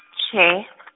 tjhe .